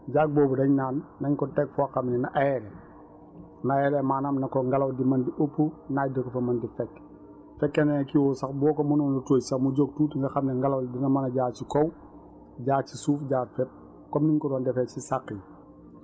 jaag boobu dañ naan nañ ko teg foo xam ne na aéré na aéré maanaam na ko ngelaw di mën di upp naaj di ko fa mën di fekk su fekkee ne kii woo sax boo ko mënoon a tóoj tuuti sax mu jóg tuuti nga xam ne ngelaw li dina mën a jaar si kaw jaar ci suuf jaar fépp comme niñ ko doon defee si sàq yi